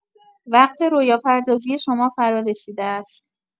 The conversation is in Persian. وقت رویاپردازی شما فرارسیده است.